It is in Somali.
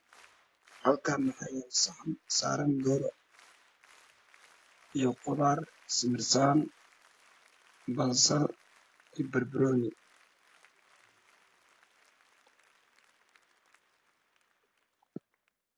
Halkan waxa yalo saxan saran dooro io qudar sibisar basal io barbaroni